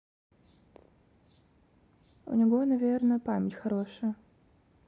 у него наверное память хорошая